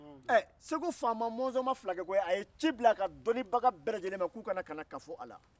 ɛ segu faama mɔnzɔn ma fila kɛ koyi a ye ci bila a ka dɔnnibaga bɛɛ lajɛlen ma k'u ka na ka kafo a la